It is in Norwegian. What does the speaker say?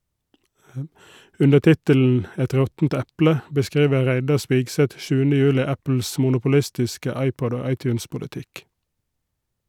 Under tittelen "Et råttent eple" beskriver Reidar Spigseth 7. juli Apples monopolistiske iPod- og iTunes-politikk.